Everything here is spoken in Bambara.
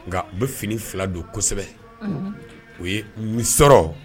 Nka u bɛ fini fila don kosɛbɛ u ye sɔrɔ